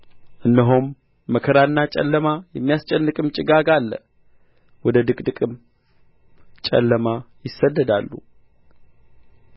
እነሆም መከራና ጨለማ የሚያስጨንቅም ጭጋግ አለ ወደ ድቅድቅም ጨለማ ይሰደዳሉ